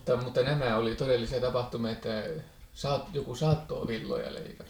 mutta nämä oli todellisia tapahtumia että joku saattoi villoja leikata